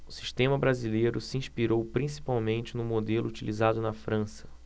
o sistema brasileiro se inspirou principalmente no modelo utilizado na frança